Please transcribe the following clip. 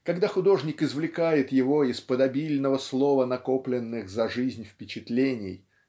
Когда художник извлекает его из-под обильного слоя накопленных за жизнь впечатлений